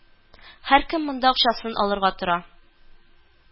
Һәркем монда акчасын алырга тора